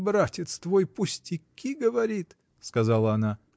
— Братец твой пустяки говорит, — сказала она.